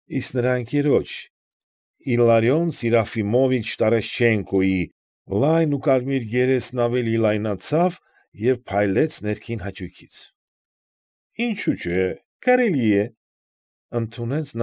Իսկ նրա ընկերոջ՝ Իլարյոն Սիրոֆիմովիչ Տարաշչենկոյի, լայն ու կարմիր երեսն ավելի լայնացավ և փայլեց ներքին հաճույքից։ ֊ Ինչո՞ւ չէ կարելի,֊ ընդունեց։